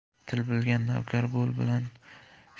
til bilgan navkar bol bilan